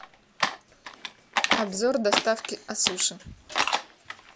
обзор доставки о суши